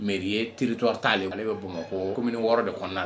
Mɛ ye terielitɔ t' ale bɛ bamakɔ komini wɔɔrɔ de kɔnɔna la